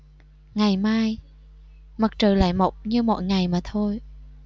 ngày mai mặt trời lại mọc như mọi ngày mà thôi